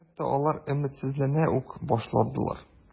Хәтта алар өметсезләнә үк башладылар.